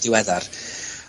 ...diweddar.